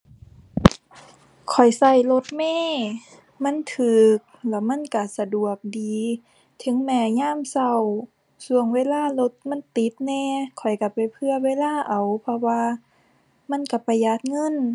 ข้อยใช้รถเมล์ มันใช้แล้วมันใช้สะดวกดี ถึงแม้ยามใช้ช่วงเวลารถมันติดแหน่ ข้อยใช้ไปเผื่อเวลาเอา เพราะว่ามันใช้ประหยัดเงิน